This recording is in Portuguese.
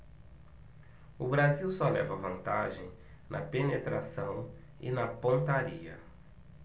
o brasil só leva vantagem na penetração e na pontaria